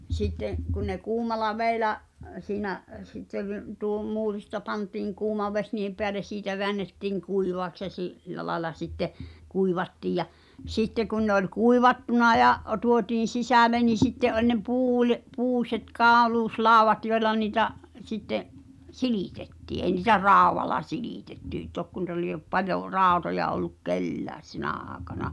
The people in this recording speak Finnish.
sitten kun ne kuumalla vedellä siinä sitten - tuo muurista pantiin kuuma vesi niiden päälle siitä väännettiin kuivaksi ja - sillä lailla sitten kuivattiin ja sitten kun ne oli kuivattuna ja tuotiin sisälle niin sitten oli ne - puiset kauluslaudat joilla niitä sitten silitettiin ei niitä raudalla silitetty tokko noita lie paljon rautoja ollut kenelläkään sinä aikana